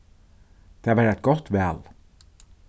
tað var eitt gott val